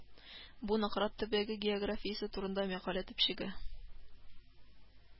Бу Нократ төбәге географиясе турында мәкалә төпчеге